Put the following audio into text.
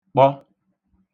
kpọ